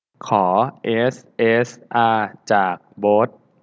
ขอเอสเอสอาจากโบ๊ท